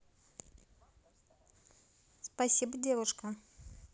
спасибо девушка